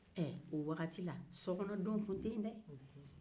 o wagati la sokɔnɔdon tun tɛ yen dɛ